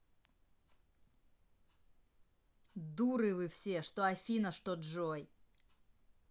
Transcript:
дуры вы все что афина что джой